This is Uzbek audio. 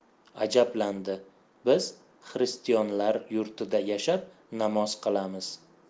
ajabki biz xristiyonlar yurtida yashab namoz qilamiz